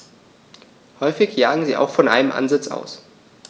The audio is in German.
Häufig jagen sie auch von einem Ansitz aus.